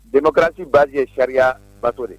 Derasi ba ye sariyari bato de